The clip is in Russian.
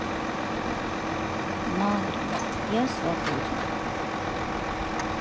маврин я свободен